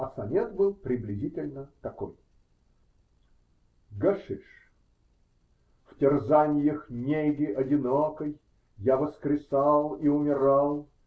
А сонет был приблизительно такой: ГАШИШ В терзаньях неги одинокой Я воскресал и умирал.